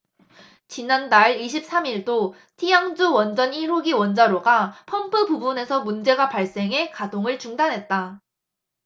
지난달 이십 삼 일도 티앙주 원전 일 호기 원자로가 펌프 부분에서 문제가 발생해 가동을 중단했다